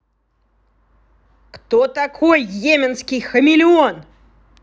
кто такой йеменский хамелеон